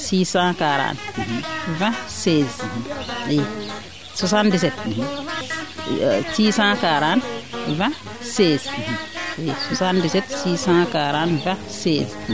640 20 16 i 776402016 i 776402016